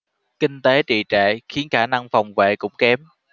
kinh tế trì trệ khiến khả năng phòng vệ cũng kém